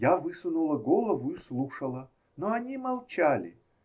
Я высунула голову и слушала, но они молчали.